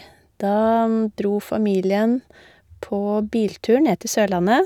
Da dro familien på biltur ned til Sørlandet.